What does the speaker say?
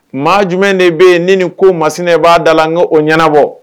Maa jumɛn de be ye ni nin ko masinɛ b'a dala ŋ'o o ɲɛnabɔ